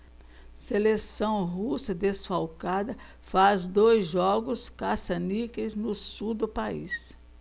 seleção russa desfalcada faz dois jogos caça-níqueis no sul do país